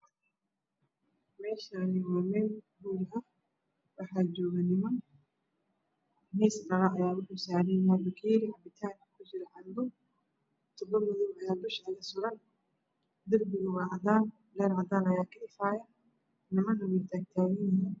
Meeshaani waa meel hool ah waxaa jooga niman miis dhalo aya wuxuu saaran yahay bakeeri cabitaan ku jiro canbo tibo madow ayaa dhusa suran leer cadaan ayaa ka ifaayo nimana way taagtaganyihiin